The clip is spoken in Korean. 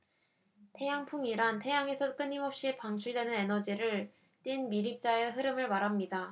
태양풍이란 태양에서 끊임없이 방출되는 에너지를 띤 미립자의 흐름을 말합니다